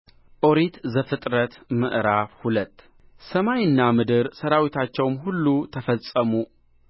ኦሪት ዘፍጥረት ምዕራፍ ሁለት ሰማይና ምድር ሠራዊታቸውም ሁሉ ተፈጸሙ